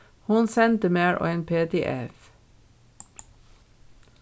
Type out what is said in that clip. hon sendi mær ein pdf